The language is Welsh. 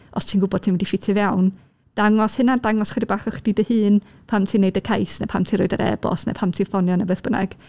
Os ti'n gwbod ti'n mynd i ffitio fewn, dangos hynna, dangos ychydig bach o chdi dy hun pan ti'n wneud y cais, neu pan ti'n rhoid yr e-bost, neu pan ti'n ffonio neu beth bynnag.